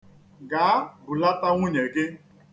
Gaa, bulata nwunye gị.